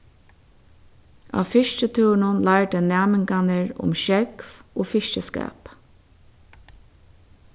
á fiskitúrinum lærdu næmingarnir um sjógv og fiskiskap